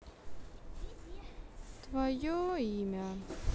твое имя